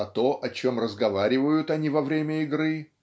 А то, о чем разговаривают они во время игры,